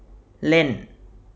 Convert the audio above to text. เล่น